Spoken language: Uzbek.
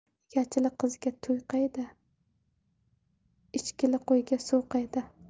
egachili qizga to'y qayda echkili qo'yga suv qayda